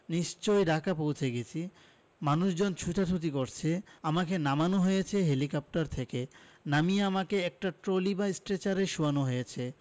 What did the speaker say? নিশ্চয়ই ঢাকা পৌঁছে গেছি মানুষজন ছোটাছুটি করছে আমাকে নামানো হয়েছে হেলিকপ্টার থেকে নামিয়ে আমাকে একটা ট্রলি বা স্ট্রেচারে শোয়ানো হয়েছে